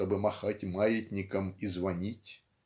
чтобы махать маятником и звонить".